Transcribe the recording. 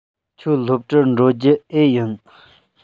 ཁྱོད སློབ གྲྭར འགྲོ རྒྱུ འེ ཡིན